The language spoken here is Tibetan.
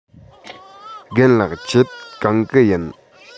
རྒན ལགས ཁྱེད གང གི ཡིན